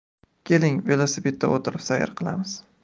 keling velosipedda o'tirib sayr qilamiz